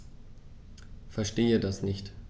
Verstehe das nicht.